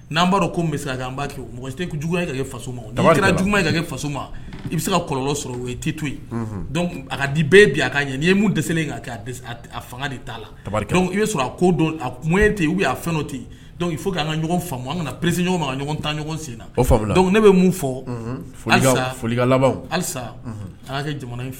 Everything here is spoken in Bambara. N' faso ma i bɛ se kalɔ tɛ to yen a ka di bɛɛ bi a' ɲɛ nin ye mun dese fanga de ta la i'a sɔrɔ a ko a ten u'a fɛn o ten dɔnku fo k' ka ɲɔgɔn fama an ka na presiɲɔgɔn ma ka ɲɔgɔn tan ɲɔgɔn sen na dɔnku ne bɛ mun fɔ foli laban halisa an kɛ jamana